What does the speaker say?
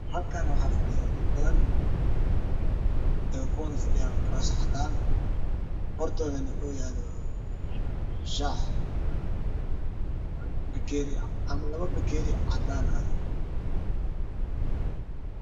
Halkan waxaa fadhiyan dad badan mesha cadan hortodana oo yalo shax laba bakeedi cadan